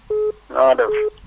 na nga def